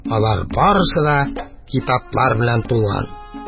Алар барысы да китаплар белән тулган.